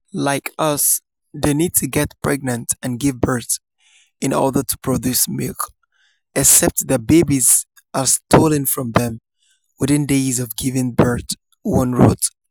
Like us they need to get pregnant and give birth in order to produce milk, except their babies are stolen from them within days of giving birth," one wrote.